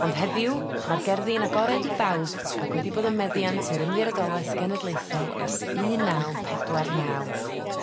ond heddiw ma'r gerddi'n agored i bawb ac wedi bod yn meddiant yr Ymddiriedoleth Genedlaethol ers un naw pedwar naw.